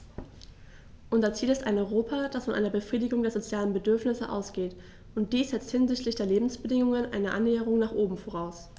Unser Ziel ist ein Europa, das von einer Befriedigung der sozialen Bedürfnisse ausgeht, und dies setzt hinsichtlich der Lebensbedingungen eine Annäherung nach oben voraus.